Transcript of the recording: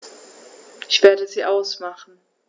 Ich werde sie ausmachen.